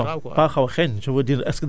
non dina xaw a xeeñ mais du